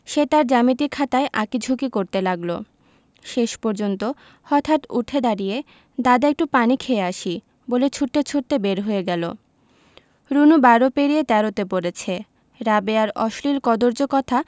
সে তার জ্যামিতি খাতায় আঁকি ঝুকি করতে লাগলো শেষ পর্যন্ত হঠাৎ উঠে দাড়িয়ে দাদা একটু পানি খেয়ে আসি বলে ছুটতে ছুটতে বেরিয়ে গেল রুনু বারো পেরিয়ে তেরোতে পড়েছে রাবেয়ার অশ্লীল কদৰ্য কথা